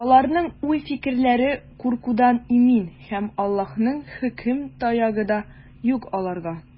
Аларның уй-фикерләре куркудан имин, һәм Аллаһының хөкем таягы да юк аларга.